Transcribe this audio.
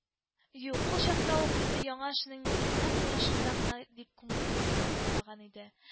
Юк, ул чакта ук инде яңа эшенең нигезе нәкъ менә шунда гына дип күңелен беркетеп куймаган иде